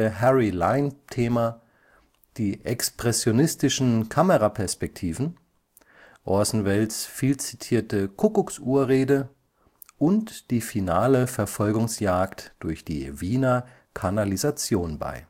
Harry-Lime-Thema, die expressionistischen Kameraperspektiven, Orson Welles’ viel zitierte „ Kuckucksuhr-Rede “und die finale Verfolgungsjagd durch die Wiener Kanalisation bei